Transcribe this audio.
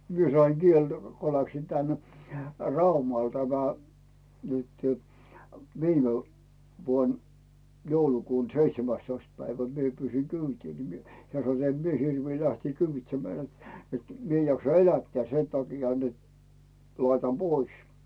minä sain sieltä kun läksin tänne Raumalle tämä nyt viime vuonna joulukuun seitsemästoista päivä minä pyysin kyytiä niin minä hän sanoi niin että en minä hirviä lähteä kyyditsemään että että minä en jaksa elättää sen takia että laitan pois